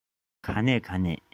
རེ བ ད ག ཟེ རེད